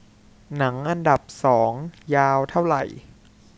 หนังอันดับสองยาวเท่าไหร่